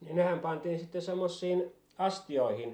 niin nehän pantiin sitten semmoisiin astioihin